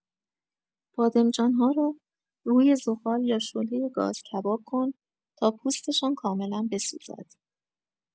بادمجان‌ها را روی زغال یا شعله گاز کباب کن تا پوستشان کاملا بسوزد.